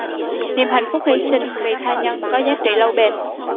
niềm hạnh phúc hy sinh vì tha nhân có giá trị lâu bền